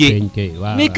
in kay wawaw